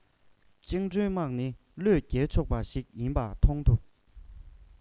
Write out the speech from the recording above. བཅིངས འགྲོལ དམག ནི བློས འགེལ ཆོག པ ཞིག ཡིན པ མཐོང ཐུབ